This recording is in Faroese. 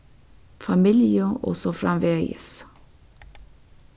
familju og so framvegis